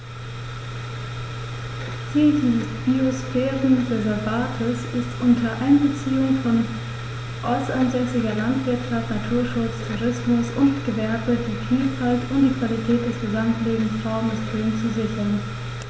Ziel dieses Biosphärenreservates ist, unter Einbeziehung von ortsansässiger Landwirtschaft, Naturschutz, Tourismus und Gewerbe die Vielfalt und die Qualität des Gesamtlebensraumes Rhön zu sichern.